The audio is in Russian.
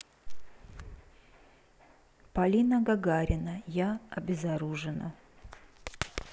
полина гагарина я обезоружена